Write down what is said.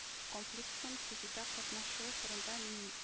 Комплексын төзүдә катнашуы турында мем